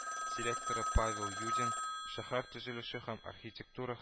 Директоры павел юдин, шәһәр төзелеше һәм архитектура